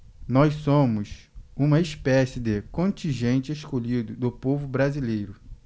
nós somos uma espécie de contingente escolhido do povo brasileiro